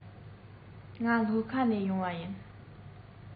ང ལྷོ ཁ ནས ཡོང པ ཡིན